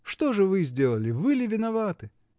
Что же вы сделали: вы ли виноваты?